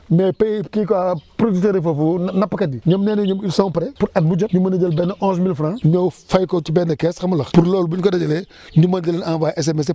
mais pay kii quoi proviseurs yi foofu nappkat yi ñoom nee nañ ñoom ils sont prêts pour at bu jot ñu mun a jël benn onze mille franc ñëw fay ko ci benn caisse xam nga li ma la wax pour loolu buñ ko dajalee ñu mën di leen envoyer SMS yi